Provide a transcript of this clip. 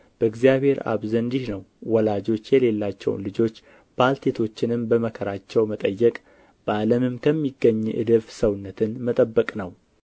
በእግዚአብሔር አብ ዘንድ ይህ ነው ወላጆች የሌላቸውን ልጆች ባልቴቶችንም በመከራቸው መጠየቅ በዓለምም ከሚገኝ እድፍ ሰውነቱን መጠበቅ ነው